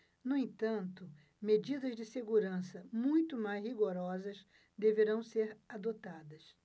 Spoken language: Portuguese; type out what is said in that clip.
no entanto medidas de segurança muito mais rigorosas deverão ser adotadas